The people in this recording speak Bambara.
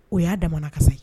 O y'a damana kasa ye